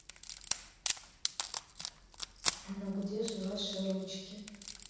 ну где же ваши ручки